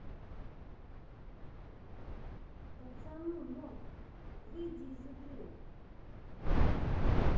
пацану ног выйди из игры